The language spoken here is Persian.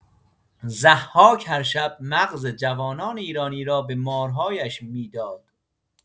ضحاک هر شب مغز جوانان ایرانی را به مارهایش می‌داد.